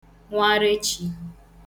nwareechī